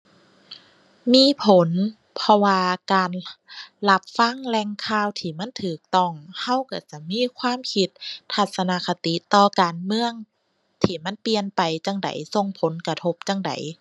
มีผล เพราะว่าการ รับฟังแหล่งข่าวที่มันถูกต้อง ถูกถูกจะมีความคิด ทัศนคติต่อการเมืองที่มันเปลี่ยนไปจั่งใด ส่งผลกระทบจั่งใด